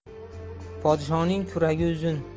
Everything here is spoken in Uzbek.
podshoning kuragi uzun